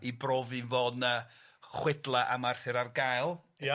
I brofi fod 'na chwedla am Arthur ar gael... Ia.